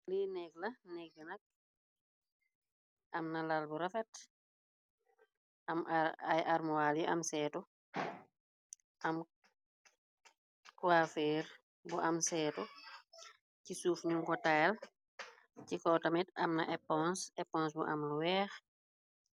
Lii negg la negg nak amna lal bu rafet am ay armual yi am seetu am kwafer bu am seetu ci suuf ñu go tayl ci ko tamit amna pns eponse bu am lu weex.